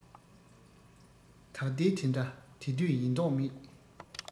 ད ལྟའི དེ འདྲ དེ དུས ཡིན མདོག མེད